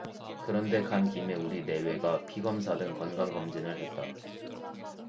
그런데 간 김에 우리 내외가 피검사 등 건강검진을 했다